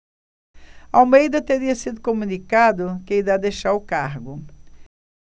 almeida teria sido comunicado que irá deixar o cargo